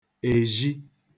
èzhi